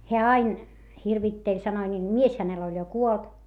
hän aina hirvitteli sanoi niille mies hänellä oli jo kuollut